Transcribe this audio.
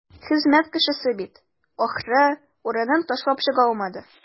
Хезмәт кешесе бит, ахры, урынын ташлап чыга алмады.